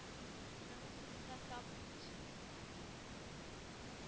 Намусыбызга тап төшерде дип,